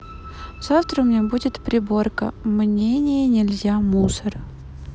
завтра у меня будет приборка мнениенельзя мусор